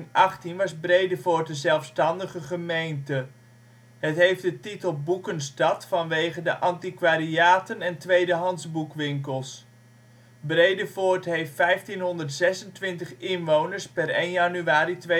1818 was Bredevoort een zelfstandige gemeente. Het heeft de titel Boekenstad vanwege de antiquariaten en tweedehands-boekwinkels. Bredevoort heeft 1.526 inwoners (per 1 januari 2008